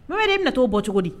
Mohamedi e bi na taa o bɔ cogo di?